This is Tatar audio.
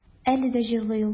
Әле дә җырлый ул.